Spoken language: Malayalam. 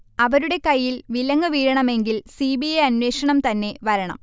അവരുടെ കയ്യിൽ വിലങ്ങ് വീഴണമെങ്കിൽ സി. ബി. ഐ അന്വേഷണം തന്നെ വരണം